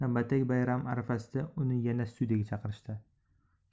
navbatdagi bayram arafasida uni yana studiyaga chaqirishdi